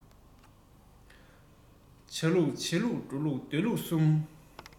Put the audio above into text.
བྱ ལུགས བྱེད ལུགས འགྲོ ལུགས སྡོད ལུགས གསུམ